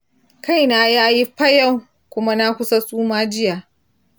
kaina yayi payau kuma na kusa suma jiya.